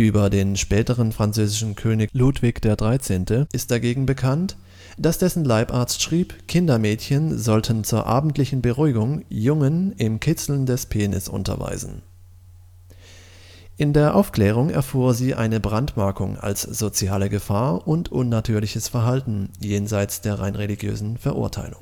Über den späteren französischen König Ludwig XIII. ist dagegen bekannt, dass dessen Leibarzt schrieb, Kindermädchen sollten zur „ abendlichen Beruhigung “Jungen im „ Kitzeln des Penis “unterweisen. In der Aufklärung erfuhr sie eine Brandmarkung als „ soziale Gefahr “und „ unnatürliches Verhalten “jenseits der rein religiösen Verurteilung